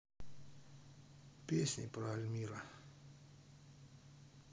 песни про альмира